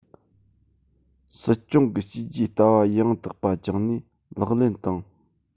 སྲིད སྐྱོང གི བྱས རྗེས ལྟ བ ཡང དག པ བཅངས ནས ལག ལེན དང